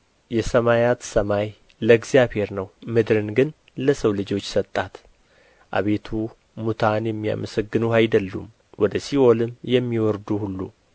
የሰማያት ሰማይ ለእግዚአብሔር ነው ምድርን ግን ለሰው ልጆች ሰጣት አቤቱ ሙታን የሚያመሰግኑህ አይደሉም ወደ ሲኦልም የሚወርዱ ሁሉ